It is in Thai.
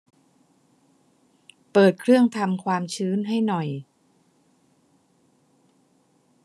เปิดเครื่องทำความชื้นให้หน่อย